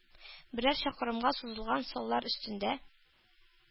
Берәр чакрымга сузылган саллар өстендә